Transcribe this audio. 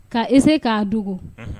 Ka i se k'a dogo